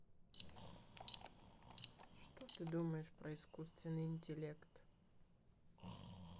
что ты думаешь про искусственный интеллект